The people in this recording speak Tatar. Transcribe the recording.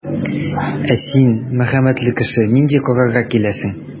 Ә син, мәрхәмәтле кеше, нинди карарга киләсең?